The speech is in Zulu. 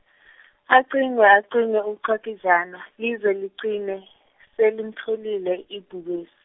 acingwe acingwe uChakijana lize ligcine selimtholile ibhubesi.